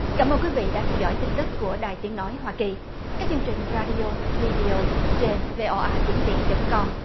cảm ơn quý vị đã theo dõi tin tức của đài tiếng nói hoa kỳ các chương trình ra đi ô vi đê ô trên vê o a tiếng việt chấm com